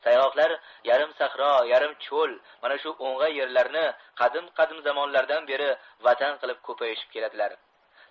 sayg'oqlar yarim sahro yarim cho'l mana shu o'ng'ay yerlarni qadim qadim zamonlardan beri vatan qilib ko'payishib keladilar